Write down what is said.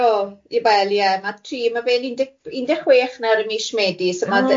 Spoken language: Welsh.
O i fel ie ma' tri ma' fe'n un deg un deg chwech nawr ym mish Medi so ma... Oh reit.